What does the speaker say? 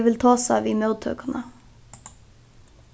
eg vil tosa við móttøkuna